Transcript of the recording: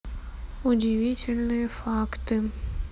удивительные факты